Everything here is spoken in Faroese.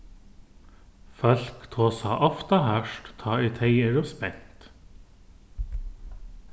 fólk tosa ofta hart tá ið tey eru spent